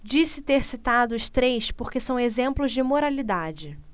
disse ter citado os três porque são exemplos de moralidade